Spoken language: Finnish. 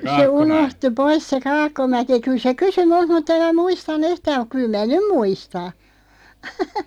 se unohtui pois se Kaakkomäki kyllä se kysyi minulta mutta en minä muistanut yhtään mutta kyllä minä nyt muistan